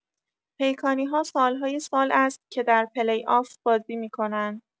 پیکانی‌ها سال‌های سال است که در پلی‌آف بازی می‌کنند.